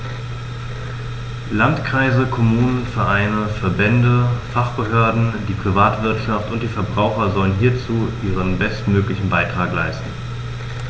Landkreise, Kommunen, Vereine, Verbände, Fachbehörden, die Privatwirtschaft und die Verbraucher sollen hierzu ihren bestmöglichen Beitrag leisten.